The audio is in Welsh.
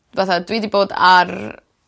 fatha dwi 'di bod ar